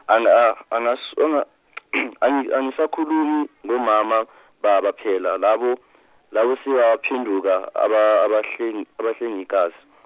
anga- angas- unga- angi- angisakhulumi ngomama, baba phela labo, labo sebaphenduka aba- abahlengi- abahlengikazi.